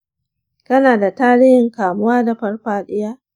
kana da tarihin kamuwa da farfaɗiya?